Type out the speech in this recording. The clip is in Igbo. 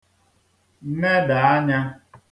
nedà anyā